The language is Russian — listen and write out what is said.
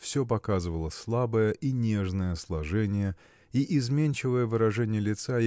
все показывало слабое и нежное сложение и изменчивое выражение лица